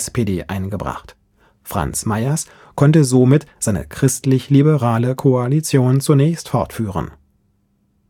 SPD eingebracht: Franz Meyers konnte somit seine christlich-liberale Koalition zunächst fortführen.